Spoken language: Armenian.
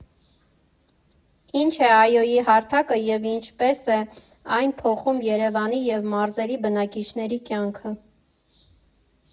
Ինչ է ԱՅՈ հարթակը և ինչպես է այն փոխում Երևանի և մարզերի բնակիչների կյանքը։